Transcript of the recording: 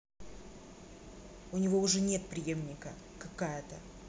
у него уже нет приемника какая то